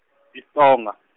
i- Tsonga.